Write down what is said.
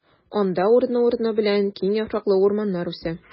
Анда урыны-урыны белән киң яфраклы урманнар үсә.